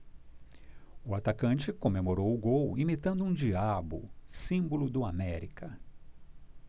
o atacante comemorou o gol imitando um diabo símbolo do américa